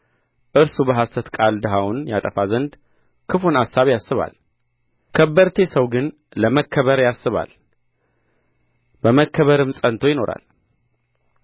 እርሱ በሐሰት ቃል ድሀውን ያጠፋ ዘንድ ክፉን አሳብ ያስባል ከበርቴ ሰው ግን ለመከበር ያስባል በመከበርም ጸንቶ ይኖራል